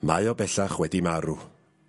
Mae o bellach wedi marw